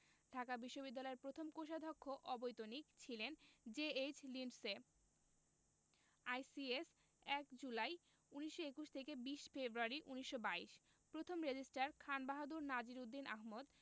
ঢাকা বিশ্ববিদ্যালয়ের প্রথম কোষাধ্যক্ষ অবৈতনিক ছিলেন জে.এইচ লিন্ডসে আইসিএস ১ জুলাই ১৯২১ থেকে ২০ ফেব্রুয়ারি ১৯২২ প্রথম রেজিস্ট্রার খানবাহাদুর নাজির উদ্দিন আহমদ